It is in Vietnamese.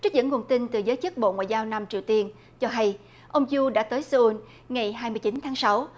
trích dẫn nguồn tin từ giới chức bộ ngoại giao nam triều tiên cho hay ông du đã tới xê un ngày hai mươi chín tháng sáu